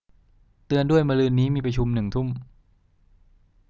เตือนด้วยมะรืนนี้มีประชุมหนึ่งทุ่ม